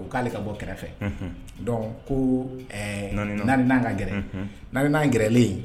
U k'ale ka bɔ kɛrɛfɛunhun, donc ko ɛɛ naaninan, naaninan ka gɛrɛ, unhun, naaninan gɛrɛlen